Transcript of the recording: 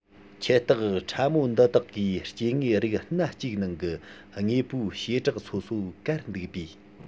ཁྱད རྟགས ཕྲ མོ འདི དག གིས སྐྱེ དངོས རིགས སྣ གཅིག ནང གི དངོས པོའི བྱེ བྲག སོ སོ བཀར འདུག པས